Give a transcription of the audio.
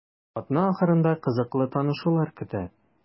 Атна ахырында кызыклы танышулар көтә.